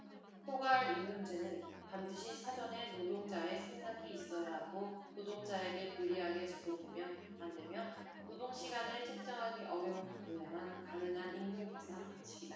포괄임금제는 반드시 사전에 노동자의 승낙이 있어야 하고 노동자에게 불리하게 적용되면 안 되며 노동시간을 측정하기 어려운 경우에만 가능한 임금계산 방식이다